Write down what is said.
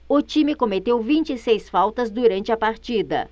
o time cometeu vinte e seis faltas durante a partida